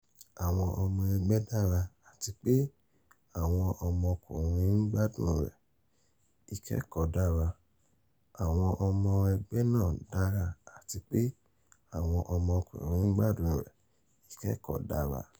Awọn ọmọ ẹgbẹ dara ati pe awọn ọmọkunrin n gbadun rẹ; ikẹkọọ dara.aÀwọn ọmọ ẹgbẹ́ náà dára àti pe àwọn ọmọkùnrin ń gbádùn rẹ̀; ìkẹ́kọ̀ọ́ dára.